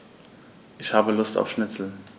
Ich habe Lust auf Schnitzel.